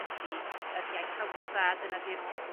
ydi yr iaith hawsa dyna 'di'r